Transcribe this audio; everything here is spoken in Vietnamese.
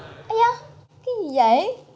ai da cái gì dậy